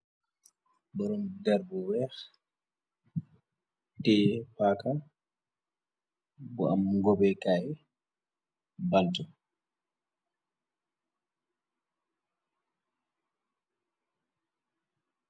barum der bu weex te paaka bu am ngobekaay baltu